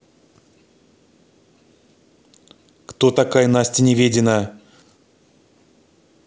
кто такая настя неведина